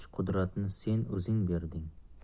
qudratni sen o'zing berding